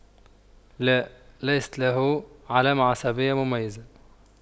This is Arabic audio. لا ليست له علامة عصبية مميزة